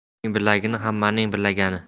qo'shnimning bilgani hammaning bilgani